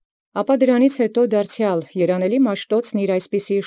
Ապա յետ այնորիկ դարձեալ՝ այնպիսի։